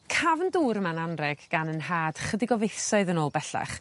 cafn dŵr yma'n anreg gan 'yn nhad chydig o fethsoedd yn ôl bellach